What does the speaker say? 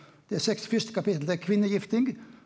dei seks fyrste kapitla det er kvinnegifting.